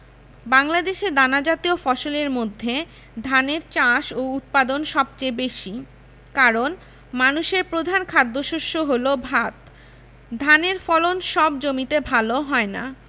বাংলাদেশে দানাজাতীয় ফসলের মধ্যে ধানের চাষ ও উৎপাদন সবচেয়ে বেশি কারন মানুষের প্রধান খাদ্যশস্য হলো ভাত ধানের ফলন সব জমিতে ভালো হয় না